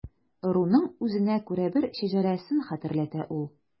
Ыруның үзенә күрә бер шәҗәрәсен хәтерләтә ул.